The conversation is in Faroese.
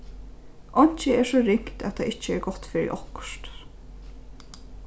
einki er so ringt at tað ikki er gott fyri okkurt